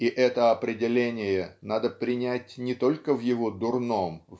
И это определение надо принять не только в его дурном